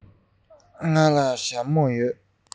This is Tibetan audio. ང ལ ཞྭ མོ ཡོད